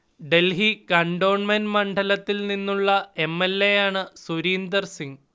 Delhi cantonment മണ്ഡലത്തിൽ നിന്നുള്ള M. L. A യാണ് സുരീന്ദർ സിങ്